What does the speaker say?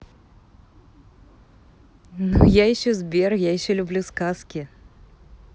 ну я еще сбер я еще люблю сказки